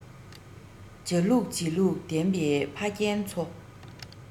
བྱ ལུགས བྱེད ལུགས ལྡན པའི ཕ རྒན ཚོ